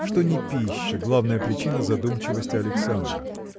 что не пища главная причина задумчивости Александра.